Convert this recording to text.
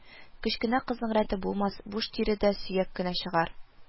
Кечкенә кызның рәте булмас, буш тире дә сөяк кенә чыгар